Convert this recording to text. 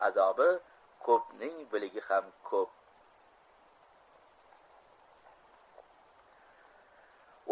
azobi ko'pning biligi ham ko'p